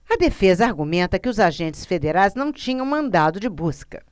a defesa argumenta que os agentes federais não tinham mandado de busca